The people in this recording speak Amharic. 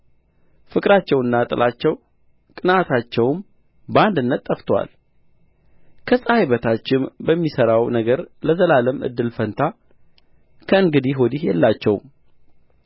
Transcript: ፍቅራቸውና ጥላቸው ቅንዓታቸውም በአንድነት ጠፍቶአል ከፀሐይ በታችም በሚሠራው ነገር ለዘላለም እድል ፈንታ ከእንግዲህ ወዲህ የላቸውም